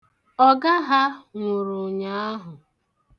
Ọga ha nwụrụ ụnyaahụ.